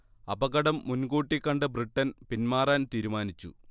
അപകടം മുൻകൂട്ടി കണ്ട ബ്രിട്ടൻ പിന്മാറാൻ തീരുമാനിച്ചു